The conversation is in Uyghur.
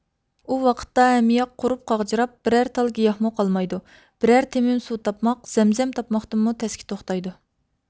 ئۇ ۋاقىتتا ھەممە ياق قۇرۇپ قاغجىراپ بىرەر تال گىياھمۇ قالمايدۇ بىر تېمىم سۇ تاپماق زەمزەم تاپماقتىنمۇ تەسكە توختايدۇ